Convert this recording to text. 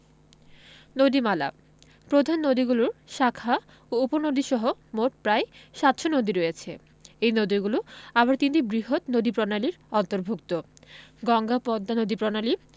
নদীমালাঃ প্রধান নদীগুলোর শাখা ও উপনদীসহ মোট প্রায় ৭০০ নদী রয়েছে এই নদীগুলো আবার তিনটি বৃহৎ নদীপ্রণালীর অন্তর্ভুক্ত গঙ্গা পদ্মা নদীপ্রণালী